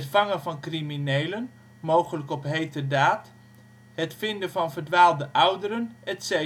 vangen van criminelen (op heterdaad), het vinden van verdwaalde ouderen, etc.